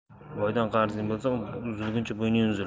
boydan qarzing uzilguncha bo'yning uzilar